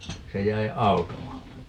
se jäi auton alle